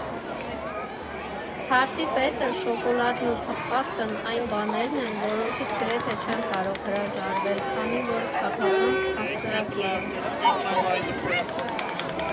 Թարսի պես էլ շոկոլադն ու թխվածքն այն բաներն են, որոնցից գրեթե չեմ կարող հրաժարվել, քանի որ չափազանց քաղցրակեր եմ։